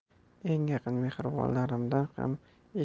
eng yaqin mehribonlaridan ham eshitmagan